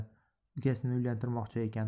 ukasini uylantirimoqchi ekan